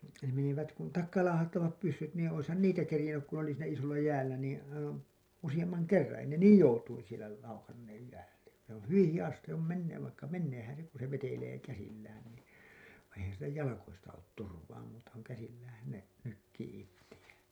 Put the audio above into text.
ne menivät kun takaalaahattavat pyssyt niin olisihan niitä kerinnyt kun ne oli siinä isolla jäällä niin aivan useamman kerran ei ne niin joutuin siellä laukanneet jäätä se on hyvin hidas sitten se on menneet vaikka meneehän se kun se vetelee käsillään niin vaan eihän sillä jaloista ole turvaa muuta kuin käsilläänhän ne nykii itseään